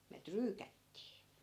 me tryykättiin